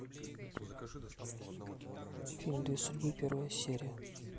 фильм две судьбы первая серия